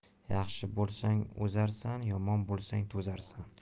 yaxshi bo'lsang o'zarsan yomon bo'lsang to'zarsan